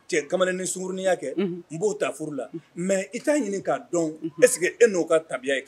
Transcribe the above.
Cɛ kamalen ni suruninya kɛ n b'o ta furu la mɛ i t'a ɲini k'a dɔn ɛseke e n'o ka tabiya kɛ